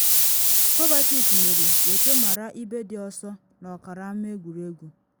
Kovacic mere wete mara ibe dị ọsọ n’ọkara ama egwuregwu.